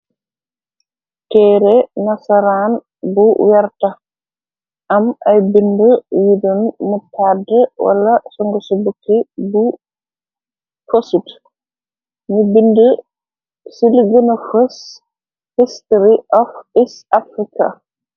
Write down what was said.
Teere nazaraan bu werta am ay bind budon mën ni mutàdde wala songusi bukki bu kosut, nū bind ci li gena fes, history of east africa.